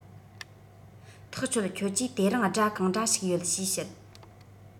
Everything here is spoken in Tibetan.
ཐག ཆོད ཁྱོད ཀྱིས དེ རིང སྒྲ གང འདྲ ཞིག ཡོད ཞེས བཤད